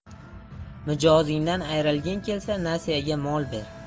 mijozingdan ayrilging kelsa nasiyaga mol ber